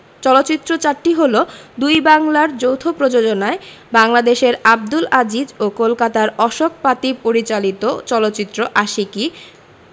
চলচ্চিত্র চারটি হলো দুই বাংলার যৌথ প্রযোজনায় বাংলাদেশের আবদুল আজিজ ও কলকাতার অশোক পাতি পরিচালিত চলচ্চিত্র আশিকী